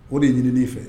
O de ye ɲinininin fɛ